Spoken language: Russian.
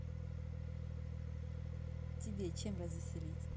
тебе чем развеселить